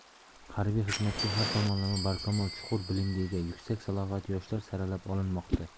harbiy xizmatga har tomonlama barkamol chuqur bilimga ega yuksak salohiyatli yoshlar saralab olinmoqda